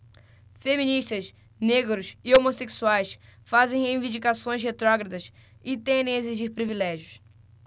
feministas negros e homossexuais fazem reivindicações retrógradas e tendem a exigir privilégios